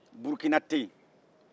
burikina tɛ yen